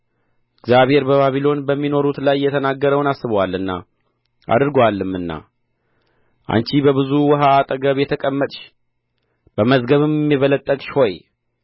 እግዚአብሔር በባቢሎን በሚኖሩት ላይ የተናገረውን አስቦአልና አድርጎአልምና አንቺ በብዙ ውኃ አጠገብ የተቀመጥሽ በመዝገብም የበለጠግሽ ሆይ